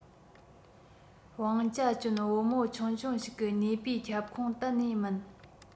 བང ཅ ཅོན བུ མོ ཆུང ཆུང ཞིག གི ནུས པའི ཁྱབ ཁོངས གཏན ནས མིན